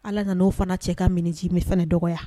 Ala nana o fana cɛ ka miniji fɛnɛ dɔgɔya.